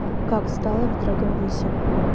как стало в дагомысе